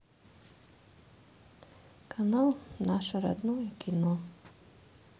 канал наше родное кино